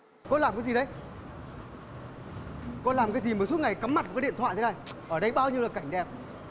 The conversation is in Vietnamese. con làm cái gì đấy con làm cái gì mà suốt ngày cắm mặt vô điện thoại thế này ở đây bao nhiêu là cảnh đẹp